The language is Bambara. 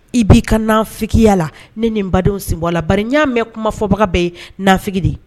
I b'i ka na fya la ne nin badenwsinbɔ la ba n y'a mɛn kuma fɔbaga bɛ ye nafi